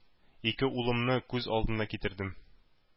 Ике улымны күз алдыма китердем,